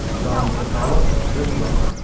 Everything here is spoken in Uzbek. ishton solib bit boqar